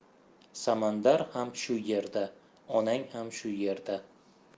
samandar ham shu yerda onang ham shu yerda